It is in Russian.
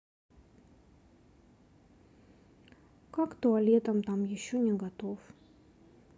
как туалетом там еще не готов